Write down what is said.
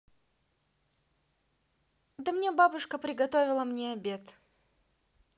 да мне бабушка приготовила мне обед